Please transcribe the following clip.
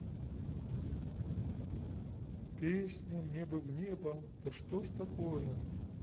песня мне бы в небо да что ж такое